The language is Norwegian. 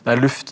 det er luft.